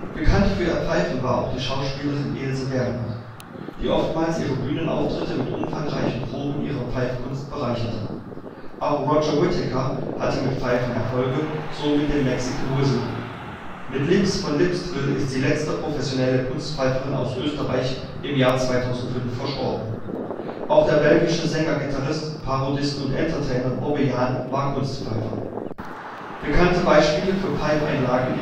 Bekannt für ihr Pfeifen war auch die Schauspielerin Ilse Werner, die oftmals ihre Bühnenauftritte mit umfangreichen Proben ihrer Pfeifkunst bereicherte. Auch Roger Whittaker hatte mit Pfeifen Erfolge, so mit dem Mexican Whistler. Mit Lips von Lipstrill ist die letzte professionelle Kunstpfeiferin aus Österreich im Jahr 2005 verstorben. Auch der belgische Sänger-Gitarrist, Parodist und Entertainer Bobbejaan war Kunstpfeifer. Bekannte Beispiele für Pfeifeinlagen